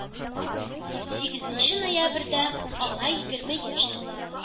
Сигезенче ноябрьдә аңа егерме яшь тула.